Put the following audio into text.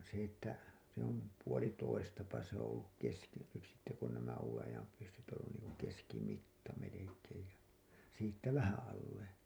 se että se on puolitoista se on ollut - nyt sitten kun nämä uuden ajan pyssyt on ollut niin kuin - keskimitta melkein ja siitä vähän alle